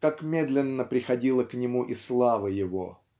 как медленно приходила к нему и слава его.